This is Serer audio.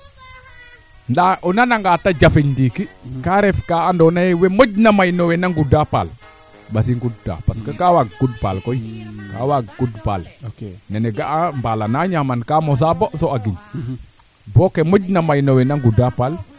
o ndeeta ngaan a refa nga no kaaf sax a tane a yaam a jega o axola ga ma de leyaa suuna trois kaa teela foor lool ndaa a knagfa le yoombe yaqu parce que o ndeeta ngaan